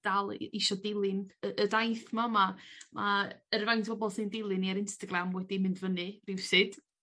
dal i isio dilyn y daith mawr 'ma. Ma' yr faint o bobol sy'n dilyn ni ar Instagram wedi mynd fyny rywsud.